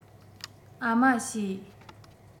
ཨ མ བྱེད